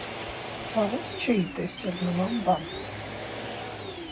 Վաղուց չէի տեսել նման բան։